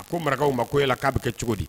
A ko marakaw ma ko yala k'a bɛ kɛ cogo di